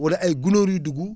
wala ay gunóor yu dugg